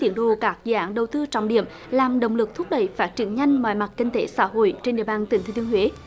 tiến độ các dự án đầu tư trọng điểm làm động lực thúc đẩy phát triển nhanh mọi mặt kinh tế xã hội trên địa bàn tỉnh thừa thiên huế